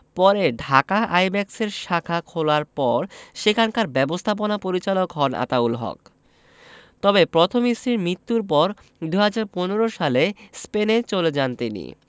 পরে ঢাকা আইব্যাকসের শাখা খোলার পর সেখানকার ব্যবস্থাপনা পরিচালক হন আতাউল হক তবে প্রথম স্ত্রীর মৃত্যুর পর ২০১৫ সালে স্পেনে চলে যান তিনি